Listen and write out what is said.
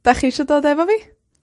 'dach chi isio dod efo fi?